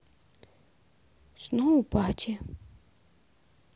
сноу пати